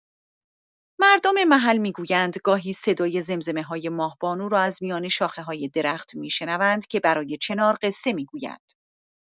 مردم محل می‌گویند گاهی صدای زمزمه‌های ماه‌بانو را از میان شاخه‌های درخت می‌شنوند که برای چنار قصه می‌گوید.